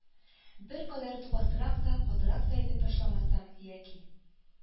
Беркадәр тупасрак та, катырак та әйтеп ташласам, яки,